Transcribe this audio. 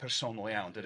personol iawn, dydy?